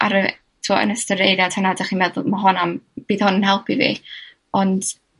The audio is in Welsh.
ar y -e t'mod yn ystod yr eiliad hwnna 'dach chi'n meddwl ma' hwn am... Bydd hwn yn helpu fi. Ond...